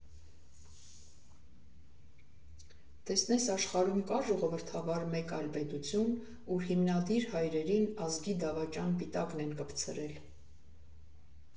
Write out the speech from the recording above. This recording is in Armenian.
Տեսնես աշխարհում կա՞ ժողովրդավար մեկ այլ պետություն, ուր հիմնադիր հայրերին «ազգի դավաճան» պիտակն են կպցրել։